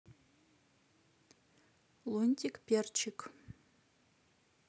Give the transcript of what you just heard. лунтик перчик